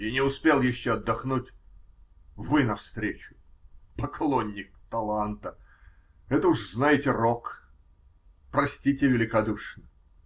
И не успел еще отдохнуть -- вы навстречу, поклонник таланта!. Это уж, знаете, рок! Простите великодушно".